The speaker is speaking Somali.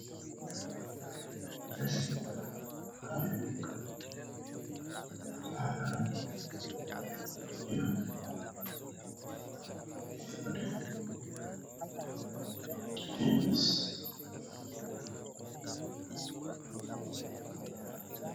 Meeshan yaxayala hal buug oo cagaran io miis